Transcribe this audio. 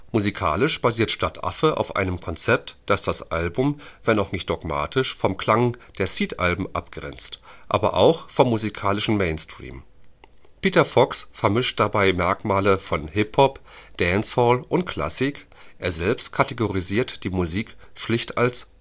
Musikalisch basiert Stadtaffe auf einem Konzept, das das Album, wenn auch nicht dogmatisch, vom Klang der Seeed-Alben abgrenzt, aber auch vom musikalischen Mainstream. Peter Fox vermischt dabei Merkmale von Hip-Hop, Dancehall und Klassik, er selbst kategorisiert die Musik schlicht als